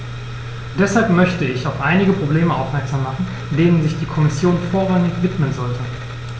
Deshalb möchte ich auf einige Probleme aufmerksam machen, denen sich die Kommission vorrangig widmen sollte.